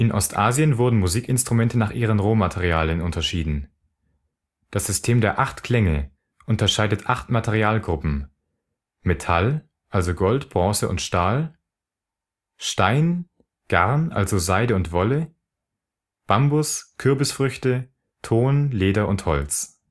Ostasien wurden Musikinstrumente nach ihrem Rohmaterialien unterschieden. Das System der Acht Klänge (chinesisch 八音, Pinyin bāyīn, japanisch „ Hatchi-In-System “) unterscheidet acht Materialgruppen: Metall (Gold, Bronze, Stahl), Stein, Garn (Seide, Wolle), Bambus, Kürbisfrüchte, Ton, Leder und Holz